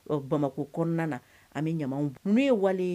Ɔ bamakɔ kɔnɔna na an bɛ ɲama nu ye wale